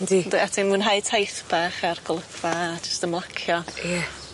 Yndi. Yndi a ti'n mwynhau taith bach a'r golygfa a jyst ymlacio. Ie.